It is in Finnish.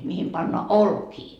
mihin pannaan olkia